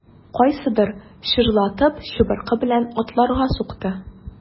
Кайсыдыр чыжлатып чыбыркы белән атларга сукты.